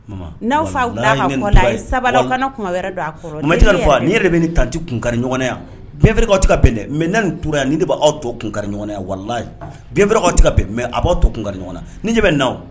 N' kana kuma wɛrɛ don maka fɔ ni yɛrɛ de bɛ nin tanti kun kari ɲɔgɔn yan tɛ ka bɛnlɛ mɛ naani nin tora yan ni de b'aw tɔ kun kari ɲɔgɔn yan wala ka a b' tɔ ɲɔgɔn ni ɲɛ bɛ naaw